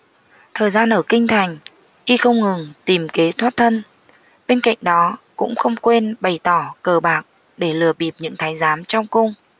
thời gian ở kinh thành y không ngừng tìm kế thoát thân bên cạnh đó cũng không quên bày trò cờ bạc để lừa bịp những thái giám trong cung